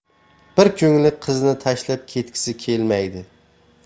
bir ko'ngli qizini tashlab ketgisi kelmaydi